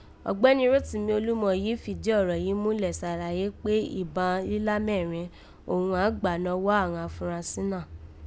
Ọ̀gbẹ́ni Rótìmí Olúmọ yìí fìdí ọ̀rọ̀ yìí múlẹ̀ sàlàyé kpé ìban lílá mẹ́ẹ́rẹn òghun àán gbà nọwọ́ àghan afunrasí náà